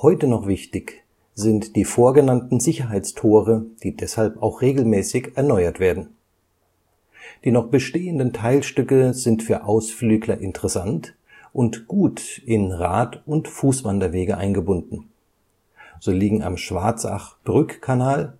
heute noch wichtig sind die vorgenannten Sicherheitstore, die deshalb auch regelmäßig erneuert werden. Die noch bestehenden Teilstücke sind für Ausflügler interessant und gut in Rad - und Fußwanderwege eingebunden. So liegen am Schwarzach-Brückkanal